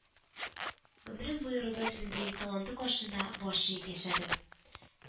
— гомерем буе рудольфның бөек таланты каршында баш иеп яшәдем